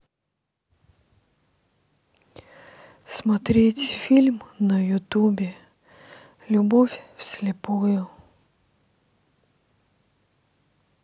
смотреть фильм на ютубе любовь вслепую